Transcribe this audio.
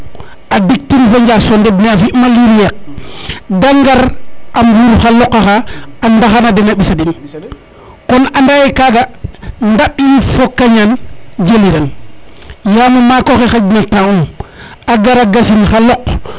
a ndiq tin fo njas fo ndeɓ ne a fi ma liir yeeq de ngar a mbuur xa loqaxaa ndaxana den a mbisaden kon anda ye kaga ndaɓ yiif fo ka ñaan jeliran yamo makoxe xaƴ na temps um a gara gasin xa loq